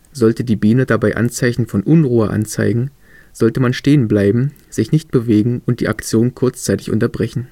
Sollte die Biene dabei Anzeichen von Unruhe anzeigen, sollte man stehen bleiben, sich nicht bewegen und die Aktion kurzzeitig unterbrechen